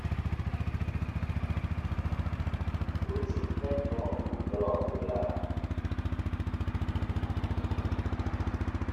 รู้สึกแน่นท้องอยู่ตลอดเวลา